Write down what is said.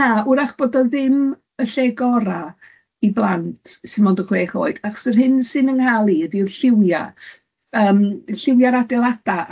Na, wrach bod o ddim y lle gorau i blant sy'n mond yn chwech oed, achos yr hyn sy'n ynghalu ydy yw'r lliwia, yym lliwiau'r adeiladau,